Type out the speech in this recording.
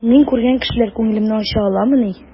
Мин күргән кешеләр күңелемне ача аламыни?